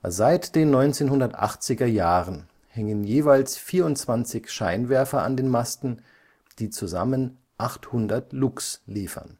Seit den 1980er Jahren hängen jeweils 24 Scheinwerfer an den Masten, die zusammen 800 Lux liefern